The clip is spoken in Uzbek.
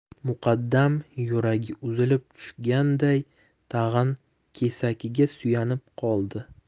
muqaddam yuragi uzilib tushganday tag'in kesakiga suyanib qoldi